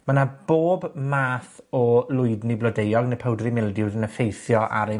ma' 'na bob math o lwydni blodeuog ne' powdery mildews yn effeithio ar ein